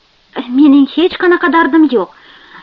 mening hech qanaqa dardim yo'q